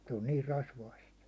se on niin rasvaista